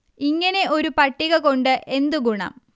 ഇങ്ങനെ ഒരു പട്ടിക കൊണ്ട് എന്തു ഗുണം